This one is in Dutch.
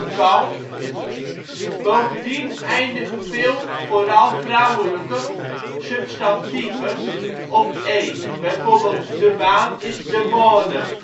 kalf Bovendien eindigen veel (vooral vrouwelijke) substantieven op - e. vb: de baan = de boane